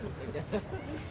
hông